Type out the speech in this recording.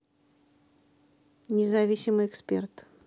независимый эксперт